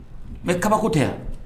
U bɛ kabako tɛ yan